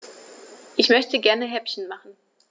Ich möchte gerne Häppchen machen.